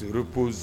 Zpoz